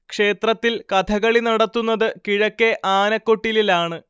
ക്ഷേത്രത്തിൽ കഥകളി നടത്തുന്നത് കിഴക്കേ ആനക്കൊട്ടിലിലാണ്